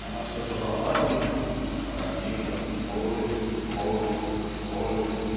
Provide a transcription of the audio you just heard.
она сожрала их и ''схоронила в поле в поле в поле"